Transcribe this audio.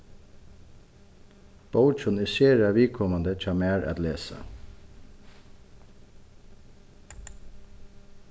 bókin er sera viðkomandi hjá mær at lesa